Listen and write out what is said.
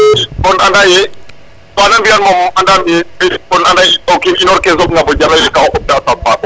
kon anda ye wana mbiyan moom anda me kon anda ye o kiin inorke Som e ka god ka taxar o Mbako